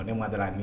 O ne ma d